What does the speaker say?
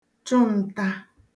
chụ ǹta